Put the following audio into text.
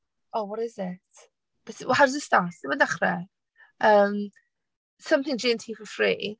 Oh what is it? Bys- Wel, how does it start? Sut mae'n dechrau. Yym, something G&T for free.